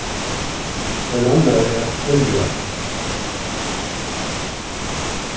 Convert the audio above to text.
ein annar æt eldjarn